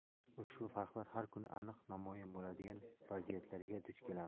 ushbu farqlar har kuni aniq namoyon bo'ladigan vaziyatlarga duch kelamiz